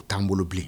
U'an bolo bilen